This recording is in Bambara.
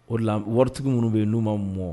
O la waritigi minnu bɛ yen n'u ma mɔ